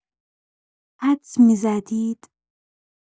حدس می‌زدید؟!